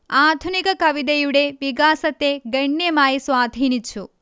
ആധുനിക കവിതയുടെ വികാസത്തെ ഗണ്യമായി സ്വാധീനിച്ചു